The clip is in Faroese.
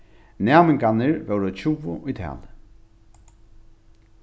næmingarnir vóru tjúgu í tali